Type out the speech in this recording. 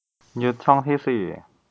ยึดช่องที่สี่